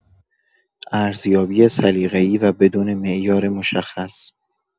ارزیابی سلیقه‌ای و بدون معیار مشخص